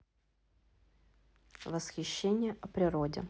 восхищение о природе